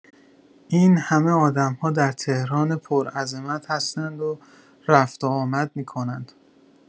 این همه آدم‌ها در تهران پرعظمت هستند و رفت و آمد می‌کنند